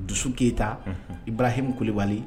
Dusu keyita i barahimu kolibali